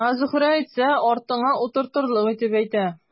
Ә Зөһрә әйтсә, артыңа утыртырлык итеп әйтә.